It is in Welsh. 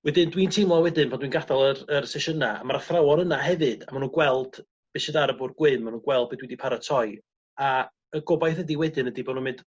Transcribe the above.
Wedyn dwi'n teimlo wedyn bod dwi'n gadal yr yr sesiyna a ma'r athrawon yna hefyd a ma' nw'n gweld be' sydd ar y bwr' gwyn ma' nw'n gweld be' dwi 'di paratoi a y gobaith ydi wedyn ydi bo' nw'n mynd